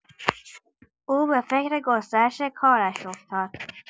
او به فکر گسترش کارش افتاد.